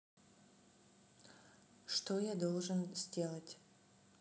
что я должен сделать